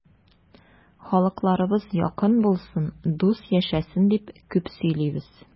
Халыкларыбыз якын булсын, дус яшәсен дип күп сөйлибез.